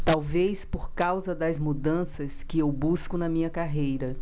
talvez por causa das mudanças que eu busco na minha carreira